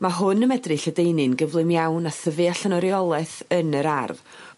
ma' hwn y medru lledaenu'n gyflym iawn a thyfu allan o reolaeth yn yr ardd